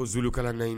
Kozkala na ye